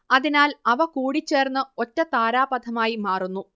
അതിനാൽ അവ കൂടിച്ചേർന്ന് ഒറ്റ താരാപഥമായി മാറുന്നു